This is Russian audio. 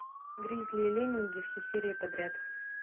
гризли и лемминги все серии подряд